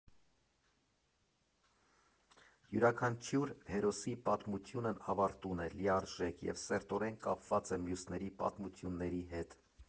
Յուրաքանչյուր հերոսի պատմությունն ավարտուն է, լիաժեք և սերտորեն կապված է մյուսների պատմությունների հետ։